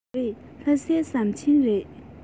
མ རེད ལྷ སའི ཟམ ཆེན རེད